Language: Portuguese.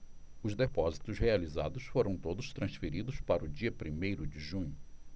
os depósitos realizados foram todos transferidos para o dia primeiro de junho